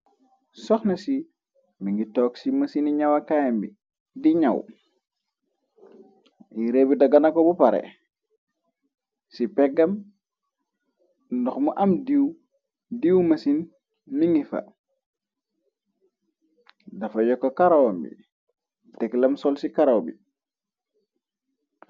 soxna si bi ngi toog ci mësini ñawakaayambi di ñaw yireebi dagana ko bu pare ci peggam ndax mu am iwdiiwu mësin mingi fa dafa yokko karawambi tegilam sol ci karaw bi.